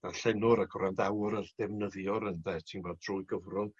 darllenwr y gwrandawr yr defnyddiwr ynde ti'n gwbod drwy gyfrwng